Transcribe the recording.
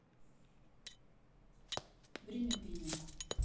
время пенек